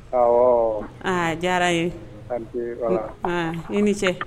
Ɔwɔ aa diyara ye i ni ce